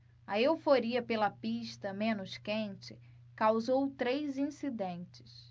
a euforia pela pista menos quente causou três incidentes